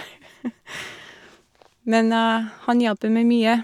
Men æ han hjelper meg mye.